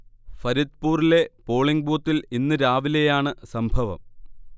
ഫരിദ്പുറിലെ polling ബൂത്തിൽ ഇന്ന് രാവിലെയാണ് സംഭവം